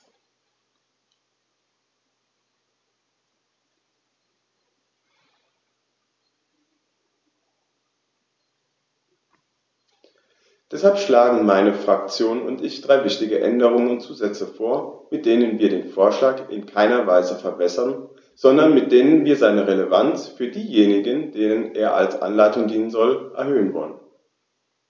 Deshalb schlagen meine Fraktion und ich drei wichtige Änderungen und Zusätze vor, mit denen wir den Vorschlag in keiner Weise verwässern, sondern mit denen wir seine Relevanz für diejenigen, denen er als Anleitung dienen soll, erhöhen wollen.